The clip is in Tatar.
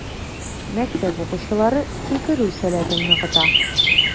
Мәктәп укучылары сикерү сәләтен ныгыта.